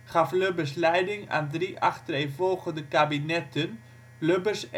gaf Lubbers leiding aan drie achtereenvolgende kabinetten (Lubbers